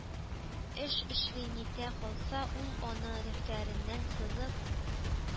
Эш эшли-нитә калса, ул аны дәфтәреннән сызып,